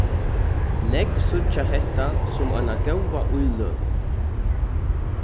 nógv síggja hetta sum eina góða íløgu